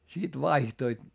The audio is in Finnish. sitten vaihtoivat